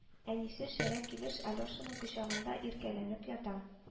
«әнисе» шәрә килеш алешаның кочагында иркәләнеп ята